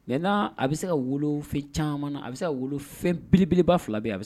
Nka n a bɛ se ka wolofɛn caman a bɛ se ka wolo belebeleba fila a